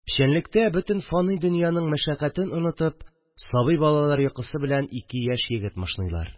Печәнлектә бөтен фани дөньяның мәшәкатен онытып сабый балалар йокысы белән ике яшь егет мышныйлар